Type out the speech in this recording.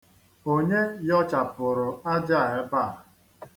Onye yọchapụrụ aja a ebe a?